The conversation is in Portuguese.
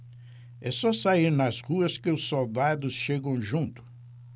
é só sair nas ruas que os soldados chegam junto